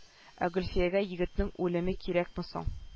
Ә гөлфиягә егетнең үлеме кирәкме соң